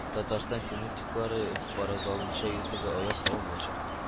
Татарстан синоптиклары фаразлавынча, иртәгә аяз һава булачак